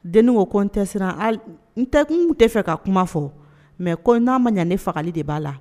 Den o ko n tɛ siran n tɛkun tɛ fɛ ka kuma fɔ mɛ ko n'a ma ɲɛ ne fagali de b'a la